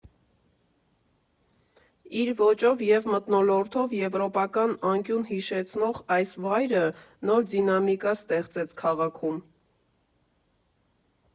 Իր ոճով և մթնոլորտով եվրոպական անկյուն հիշեցնող այս վայրը նոր դինամիկա ստեղծեց քաղաքում։